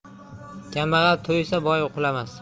kambag'al to'ysa boy uxlamas